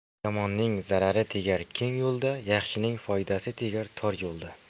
yomonning zarari tegar keng yo'lda yaxshining foydasi tegar tor yo'lda